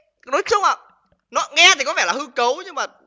nói chung là nó nghe thì có vẻ là hư cấu nhưng mà